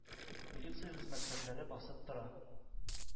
Милиция хезмәткәрләре басып тора.